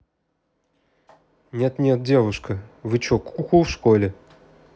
нет нет вы что девушка вы че куку в школе